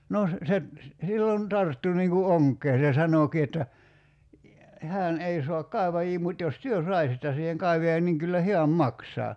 no se silloin tarttui niin kuin onkeen se sanoikin että hän ei saa kaivajia mutta jos te saisitte siihen kaivajan niin kyllä hän maksaa